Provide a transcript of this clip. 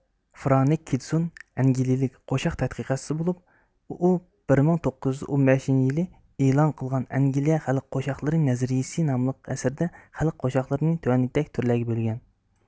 فرانك كىدسون ئەنگىلىيىلىك قوشاق تەتقىقاتچىسى بولۇپ ئۇ بىر مىڭ توققۇز يۈز ئون بەشنچى يىلى ئېلان قىلغان ئەنگىلىيە خەلق قوشاقلىرى نەزەرىيىسى ناملىق ئەسىرىدە خەلق قوشاقلىرىنى تۆۋەندىكىدەك تۈرلەرگە بۆلگەن